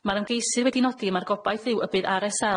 Ma'r ymgeisydd wedi nodi ma'r gobaith yw y bydd Are Ess